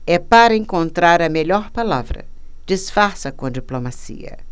é para encontrar a melhor palavra disfarça com diplomacia